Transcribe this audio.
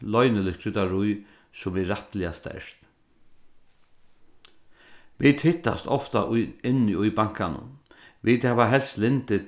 loyniligt kryddarí sum er rættiliga sterkt vit hittast ofta í inni í bankanum vit hava helst lyndi